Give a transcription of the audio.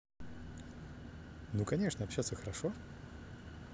ну конечно общаться хорошо